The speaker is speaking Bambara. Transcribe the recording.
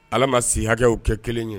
Ala ma si hakɛw kɛ kelen ye